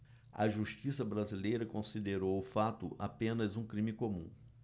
a justiça brasileira considerou o fato apenas um crime comum